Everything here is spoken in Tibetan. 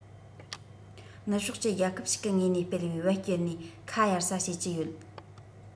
ནུབ ཕྱོགས ཀྱི རྒྱལ ཁབ ཞིག གི ངོས ནས སྤེལ བའི བེད སྤྱད ནས ཁ གཡར ས བྱེད ཀྱི ཡོད